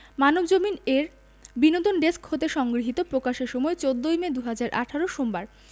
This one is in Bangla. মানবজমিন এর বিনোদন ডেস্ক হতে সংগৃহীত প্রকাশের সময় ১৪ই মে ২০১৮ সোমবার